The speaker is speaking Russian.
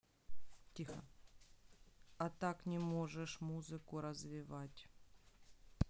а так не можешь музыку развивать